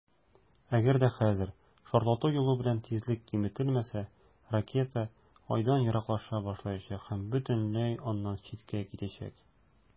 Әгәр дә хәзер шартлату юлы белән тизлек киметелмәсә, ракета Айдан ераклаша башлаячак һәм бөтенләй аннан читкә китәчәк.